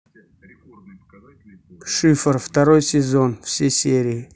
шифр второй сезон все серии